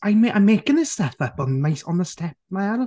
I'm ma- I'm making this stuff up on my- on the step, Mel.